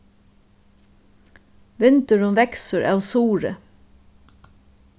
vindurin veksur av suðri